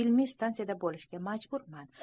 ilmiy stansiyada bo'lishga majburman